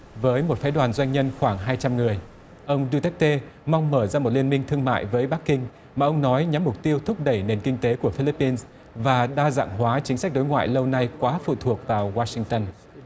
với một phái đoàn doanh nhân khoảng hai trăm người ông đu téc tê mong mở ra một liên minh thương mại với bắc kinh mà ông nói nhắm mục tiêu thúc đẩy nền kinh tế của phi líp pin và đa dạng hóa chính sách đối ngoại lâu nay quá phụ thuộc tờ goa sinh tơn